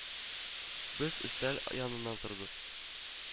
Без өстәл яныннан тордык